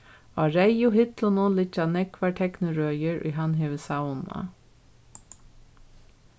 á reyðu hillunum liggja nógvar teknirøðir ið hann hevur savnað